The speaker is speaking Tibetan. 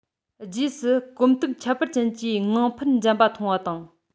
རྗེས སུ གོམ སྟབས ཁྱད པར ཅན གྱི ངང ཕར འཇབ པ མཐོང བ དང